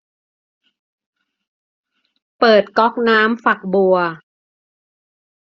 เปิดก๊อกน้ำฝักบัว